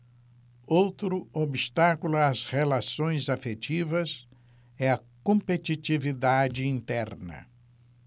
outro obstáculo às relações afetivas é a competitividade interna